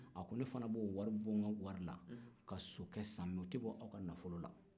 a ko ne fana b'o bɔ n ka wari la ka sokɛ san mɛ o tɛ b'aw ka nafolo la